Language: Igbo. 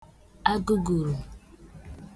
agùgùrù